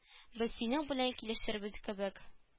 Без синең белән килешербез кебек